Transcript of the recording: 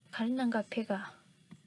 ཤིན ཅང ལ ག རེ གནང ག ཕེབས འགྲོ ག